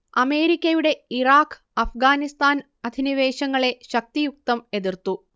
അമേരിക്കയുടെ ഇറാഖ് അഫ്ഗാനിസ്താൻ അധിനിവേശങ്ങളെ ശക്തിയുക്തം എതിർത്തു